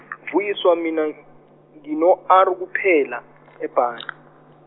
Vuyiswa mina ngino R kuphela, ebhange.